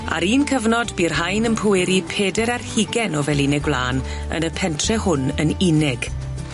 Ar un cyfnod bu'r rhain yn pweru pedair ar hugen o feline gwlân yn y pentre hwn yn unig,